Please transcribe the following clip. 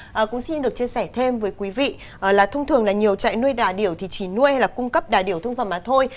ờ cũng xin được chia sẻ thêm với quý vị là thông thường là nhiều trại nuôi đà điểu thì chỉ nuôi hay là cung cấp đà điểu thương phẩm mà thôi